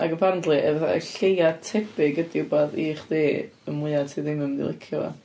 Ac apparently y fatha y lleia tebyg ydy wbath i chdi, y mwya ti ddim yn mynd i licio fo.